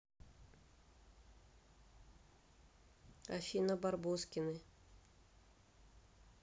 афина барбоскины